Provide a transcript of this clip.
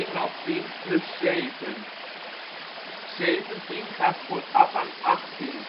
maal tien plus zeven. Zeventien gaat vooraf aan 18.